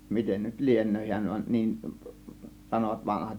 miten nyt lienee hän vaan niin sanoivat vanhat